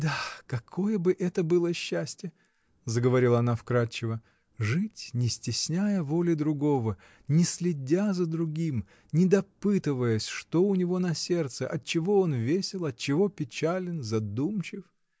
— Да, какое бы это было счастье, — заговорила она вкрадчиво, — жить, не стесняя воли другого, не следя за другим, не допытываясь, что у него на сердце, отчего он весел, отчего печален, задумчив?